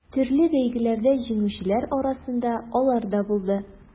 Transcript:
Төрле бәйгеләрдә җиңүчеләр арасында алар да булды.